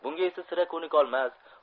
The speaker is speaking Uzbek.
bunga esa sira ko'nikolmas